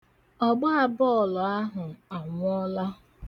Ọgbaabọọlụ ahụ anwụọla.